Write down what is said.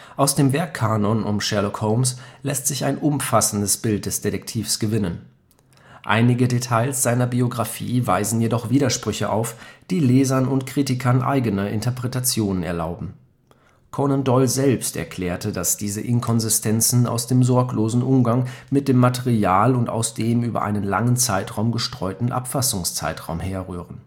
Aus dem Werkkanon um Sherlock Holmes lässt sich ein umfassendes Bild des Detektivs gewinnen. Einige Details seiner Biographie weisen jedoch Widersprüche auf, die Lesern und Kritikern eigene Interpretationen erlauben. Conan Doyle selbst erklärte, dass diese Inkonsistenzen aus dem sorglosen Umgang mit dem Material und aus dem über einen langen Zeitraum gestreuten Abfassungszeitraum herrühren